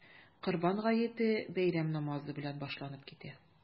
Корбан гаете бәйрәм намазы белән башланып китә.